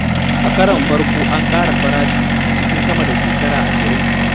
A karon farko an ƙara farashin a cikin sama da shekara ashirin.